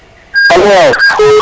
alo wa